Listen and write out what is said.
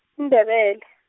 -Ndebel- .